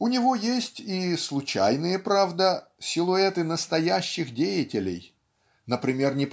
У него есть и случайные, правда, силуэты настоящих деятелей например